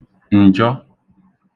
ǹjọ